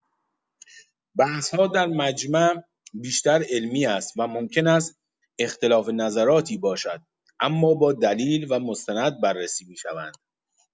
بحث‌ها در مجمع بیشتر علمی است و ممکن است اختلاف نظراتی باشد اما با دلیل و مستند بررسی می‌شوند.